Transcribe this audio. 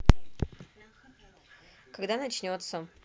когда начнется